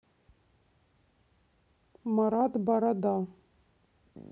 марат борода